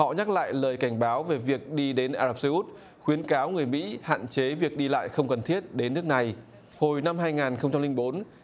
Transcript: họ nhắc lại lời cảnh báo về việc đi đến ả rập xê út khuyến cáo người mỹ hạn chế việc đi lại không cần thiết để nước này hồi năm hai ngàn không trăm linh bốn